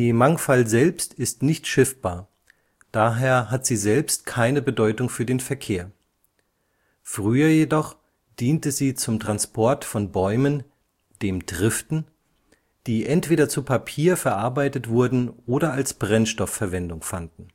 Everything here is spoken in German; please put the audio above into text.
Mangfall selbst ist nicht schiffbar, daher hat sie selbst keine Bedeutung für den Verkehr. Früher jedoch diente sie zum Transport von Bäumen (dem Triften), die entweder zu Papier verarbeitet wurden oder als Brennstoff Verwendung fanden